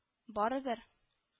— барыбер